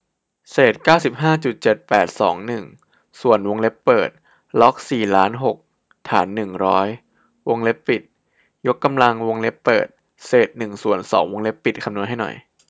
เศษเก้าสิบห้าจุดเจ็ดแปดสองหนึ่งส่วนวงเล็บเปิดล็อกสี่ล้านหกฐานหนึ่งร้อยวงเล็บปิดยกกำลังวงเล็บเปิดเศษหนึ่งส่วนสองวงเล็บปิดคำนวณให้หน่อย